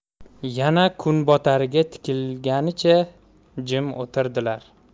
yana kunbotarga tikilgancha jim o'tirdilar